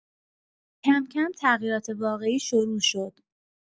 کم‌کم تغییرات واقعی شروع شد.